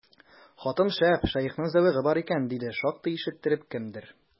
Хатын шәп, шәехнең зәвыгы бар икән, диде шактый ишеттереп кемдер.